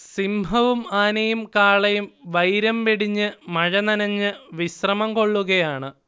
സിംഹവും ആനയും കാളയും വൈരം വെടിഞ്ഞ് മഴനനഞ്ഞ് വിശ്രമം കൊള്ളുകയാണ്